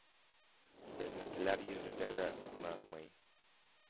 Безнекеләр йөзүдә дә сынатмый